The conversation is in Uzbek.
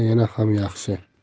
yana ham yaxshi